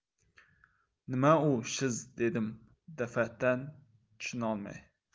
nima u shz dedim dafatan tushunolmay